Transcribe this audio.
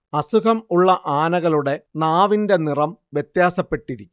അസുഖം ഉള്ള ആനകളുടെ നാവിന്റെ നിറം വ്യത്യാസപ്പെട്ടിരിക്കും